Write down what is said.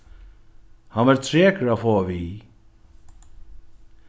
hann var trekur at fáa við